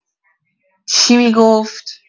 چی می‌گفت